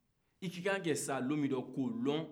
ikakan ka sa dɔn min k'o dɔn